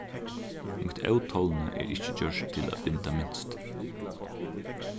mítt ótolni er ikki gjørt til at binda mynstur